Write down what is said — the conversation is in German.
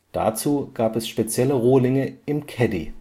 Dazu gab es spezielle Rohlinge im Caddy